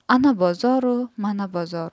ana bozoru mana bozor